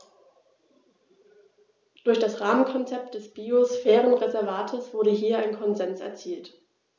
Durch das Rahmenkonzept des Biosphärenreservates wurde hier ein Konsens erzielt.